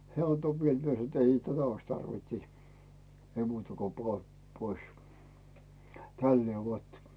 hän antoi vielä minä sanoin että ei tätä olisi tarvinnut sitten ei muuta kun pane pois tällä lailla vot